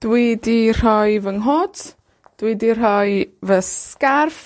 Dwi 'di rhoi fy nghot, dwi 'di rhoi fy sgarff,